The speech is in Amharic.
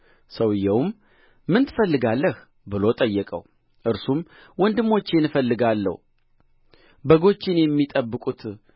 ሰውዮውም ምን ትፈልጋለህ ብሎ ጠየቀው እርሱም ወንድሞቼን እፈልጋለሁ በጎቹን የሚጠብቁበት